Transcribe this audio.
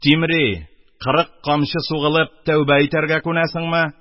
— тимри, кырык камчы сугылып, тәүбә итәргә күнәсеңме,